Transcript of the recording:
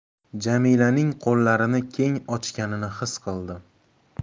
jamilaning qo'llarini keng ochganini xis qildim